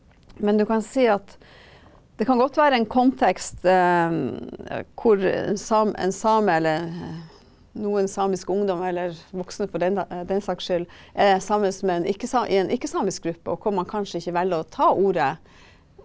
men du kan si at det kan godt være en kontekst hvor en en same, eller noen samisk ungdom, eller voksne for den saks skyld er sammen med en ikke i en ikke-samisk gruppe og hvor man kanskje ikke velger å ta ordet.